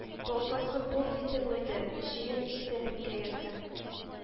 – балтасы бот итен уйды, җөен истәлеккә йөртәм